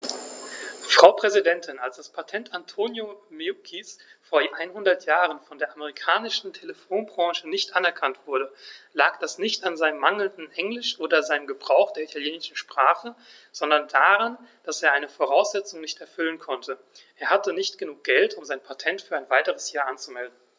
Frau Präsidentin, als das Patent Antonio Meuccis vor einhundert Jahren von der amerikanischen Telefonbranche nicht anerkannt wurde, lag das nicht an seinem mangelnden Englisch oder seinem Gebrauch der italienischen Sprache, sondern daran, dass er eine Voraussetzung nicht erfüllen konnte: Er hatte nicht genug Geld, um sein Patent für ein weiteres Jahr anzumelden.